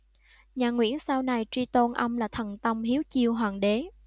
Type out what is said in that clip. nhà nguyễn sau này truy tôn ông là thần tông hiếu chiêu hoàng đế